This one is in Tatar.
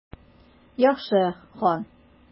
Яхшы, хан.